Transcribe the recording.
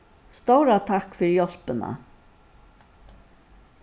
stóra takk fyri hjálpina